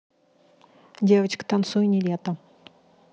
девочка танцуй нилетто